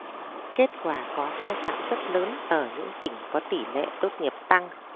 kết quả có sai phạm rất lớn ở những tỉnh có tỉ lệ tốt nghiệp tăng